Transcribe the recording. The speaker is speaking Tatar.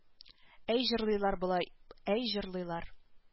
Әй җырлыйлар болар әй җырлыйлар